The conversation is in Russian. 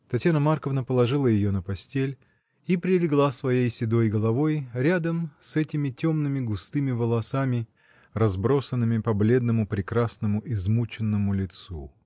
Татьяна Марковна положила ее на постель и прилегла своей седой головой рядом с этими темными, густыми волосами, разбросанными по бледному, прекрасному, измученному лицу.